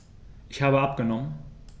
Ich habe abgenommen.